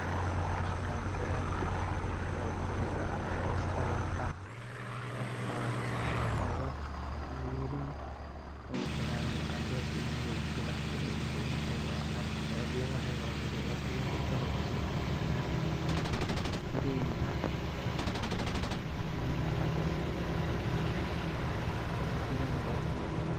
Meeshaan waa garoon kubada cagta waxa socdo wiilal banooni dheeli rabo